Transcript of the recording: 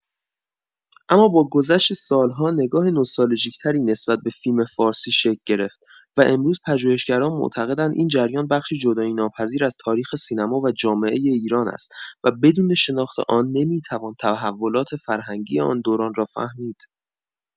اما با گذشت سال‌ها، نگاه نوستالژیک‌تری نسبت به فیلم‌فارسی شکل گرفت و امروزه پژوهشگران معتقدند این جریان بخشی جدایی‌ناپذیر از تاریخ سینما و جامعه ایران است و بدون شناخت آن نمی‌توان تحولات فرهنگی آن دوران را فهمید.